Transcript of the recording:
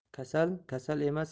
kasal kasal emas